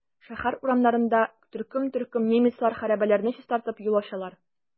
Шәһәр урамнарында төркем-төркем немецлар хәрабәләрне чистартып, юл ачалар.